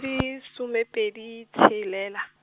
ke some pedi tshelela.